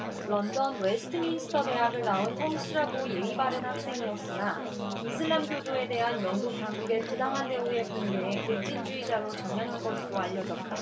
런던 웨스트민스터 대학을 나온 성실하고 예의 바른 학생이었으나 이슬람교도에 대한 영국 당국의 부당한 대우에 분개해 급진주의자로 전향한 것으로 알려졌다